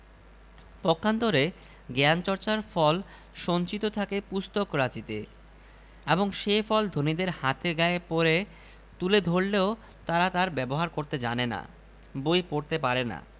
বইগুলো নষ্ট হচ্ছে গোটাকয়েক শেল্ফ যোগাড় করছ না কেন মার্ক টুয়েন খানিকক্ষণ মাথা নিচু করে ঘাড় চুলকে বললেন ভাই বলেছ ঠিকই